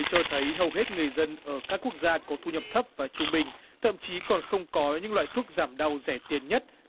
cho thấy hầu hết người dân ở các quốc gia có thu nhập thấp và trung bình thậm chí còn không có những loại thuốc giảm đau rẻ tiền nhất